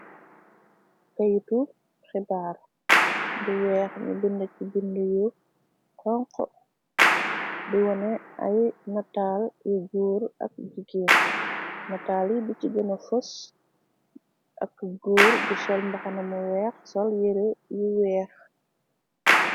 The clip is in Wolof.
Keytu xibaar bu weex ni binde ci binde yu xonxo di wone ay nataal yu goor ak jigain nataal yi bi ci gëna fos ak góor gu sol mbaxanamu weex sol yere yu weex.